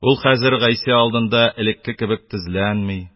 Ул хәзер Гыйса алдында элекке кебек тезләнми,